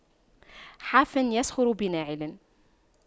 حافٍ يسخر بناعل